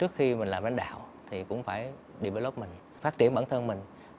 trước khi làm lãnh đạo thì cũng phải đi vờ lốc mừn phát triển bản thân mình